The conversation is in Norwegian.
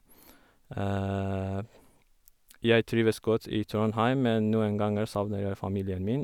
Jeg trives godt i Trondheim, men noen ganger savner jeg familien min.